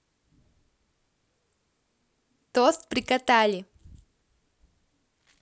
тост прикатали